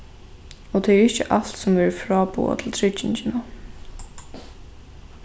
og tað er ikki alt sum verður fráboðað til tryggingina